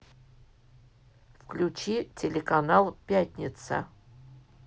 включи телеканал пятница